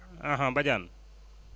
Badiane